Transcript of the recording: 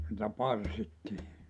sitä parsittiin